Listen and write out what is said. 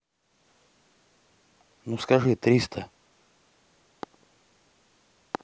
ну скажи триста